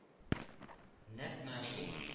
Нәкъ менә шул